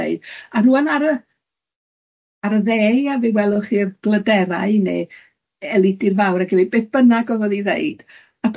a rŵan ar y ar y dde ia fe welwch chi'r Glyderau neu Elidir Fawr ac Eli-, be bynnag o'dd o'n 'i ddeud, a